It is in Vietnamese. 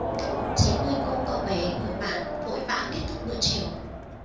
chín mươi cô cậu bé người mảng vội vã kết thúc bữa chiều